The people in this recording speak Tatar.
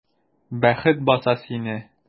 Бәхет баса сине!